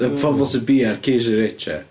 Y pobl sy biau'r ci sy'n rich ia.